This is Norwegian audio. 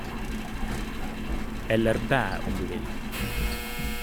Eller bæ om du vil.